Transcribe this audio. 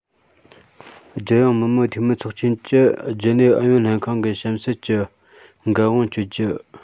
རྒྱལ ཡོངས མི དམངས འཐུས མིའི ཚོགས ཆེན གྱི རྒྱུན ལས ཨུ ཡོན ལྷན ཁང གིས གཤམ གསལ གྱི འགན དབང སྤྱོད རྒྱུ